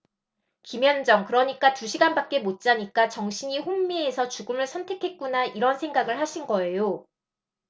김현정 그러니까 두 시간밖에 못 자니까 정신이 혼미해서 죽음을 선택했구나 이런 생각을 하신 거예요